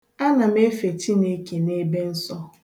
Ana m efe Chineke na ebensọ.